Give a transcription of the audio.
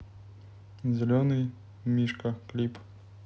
зеленый мишка клип